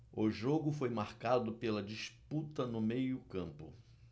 o jogo foi marcado pela disputa no meio campo